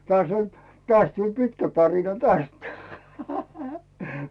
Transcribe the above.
taas oli taas tuli pitkä tarina tästä